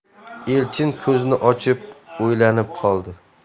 elchin ko'zini ochib o'ylanib qoldi